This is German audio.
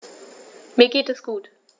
Mir geht es gut.